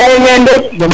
maxey men rek